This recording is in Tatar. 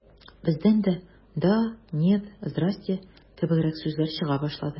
Бездән дә «да», «нет», «здрасте» кебегрәк сүзләр чыга башлады.